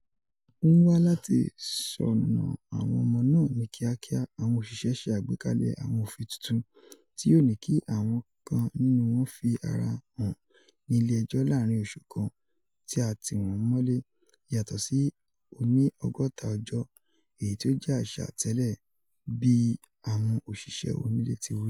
N wa lati ṣoṅa awọn ọmọ naa ni kiakia, awọn oṣiṣẹ ṣe agbekalẹ awọn ofin tuntun ti yoo ni ki awọn kan nínú wọn fi ara han ni ile ẹjọ laarin oṣu kan ti a ti wọn mọle, yatọsi oni ọgọta ọjọ, eyi ti o jẹ aṣa tẹlẹ, bii awọn oṣiṣẹ onile ti wi.